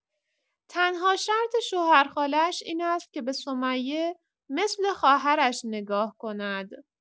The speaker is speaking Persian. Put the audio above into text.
تنها شرط شوهرخاله‌اش این است که به سمیه مثل خواهرش نگاه کند.